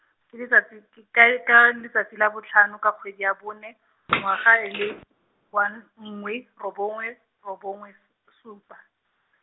ke letsatsi, ke kae ka letsatsi la botlhano ka kgwedi ya bone, ngwaga e le, wa -n nngwe, robongwe, robongwe, supa.